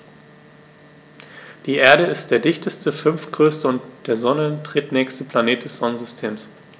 Die Erde ist der dichteste, fünftgrößte und der Sonne drittnächste Planet des Sonnensystems.